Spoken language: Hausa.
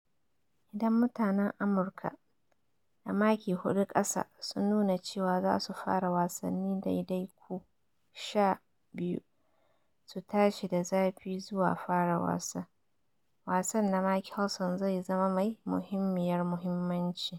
Idan mutanen amurka, da maki hudu kasa sun nuna cewa za su fara wasanni daidaiku 12, su tashi da zafi zuwa fara wasa, wasan na Mickelson zai zama mai muhimmiyar mahimmanci.